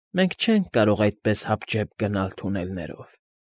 Մենք չենք կարող այդպես հապճեպ գնալ թունելներով։